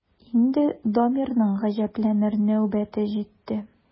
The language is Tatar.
Инде Дамирның гаҗәпләнер нәүбәте җитте.